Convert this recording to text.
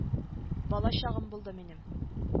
Бала чагым булды минем